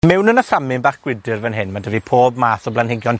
Mewn yn a fframyn bach gwydyr fan hyn ma' 'dy fi pob math o blanhigion